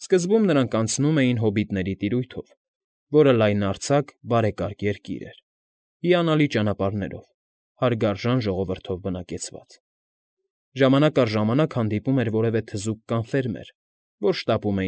Սկզբում նրանք անցնում էին հոբիտների տիրությով, որ լայնարձակ, բարեկարգ երկիր էր, հիանալի ճանապարհերով, հարգարժան ժողովրդով բնակեցված. ժամանակ առ ժամանակ հանդիպում էր որևէ թզուկ կամ ֆերմեր, որ շտապում։